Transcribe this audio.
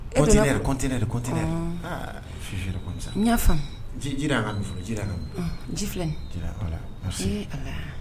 Ttt n y'a ji ji